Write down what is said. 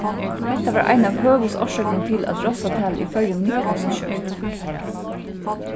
hetta var ein av høvuðsorsøkunum til at rossatalið í føroyum minkaði so skjótt